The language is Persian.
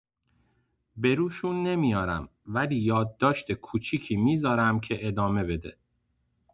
به روشون نمیارم، ولی یادداشت کوچیکی می‌ذارم که ادامه بده.